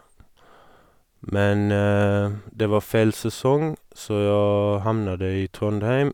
Men det var feil sesong, så jeg havnet i Trondheim.